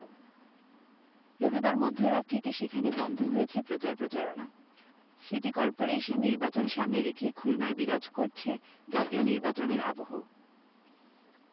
রবিবার মধ্যরাত থেকে সেখানে বন্ধ হয়েছে প্রচার প্রচারণা সিটি করপোরেশন নির্বাচন সামনে রেখে খুলনায় বিরাজ করছে জাতীয় নির্বাচনের আবহ